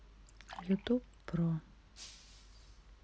ютуб про